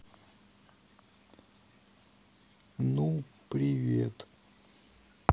ну привет